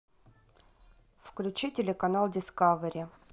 включи телеканал дискавери